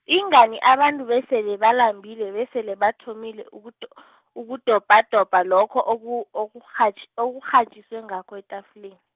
ingani abantu besele balambile besele bathomile ukudo- , ukudobhadobha, lokho oku- okukghatj-, okukghatjiswe ngakho etafuleni.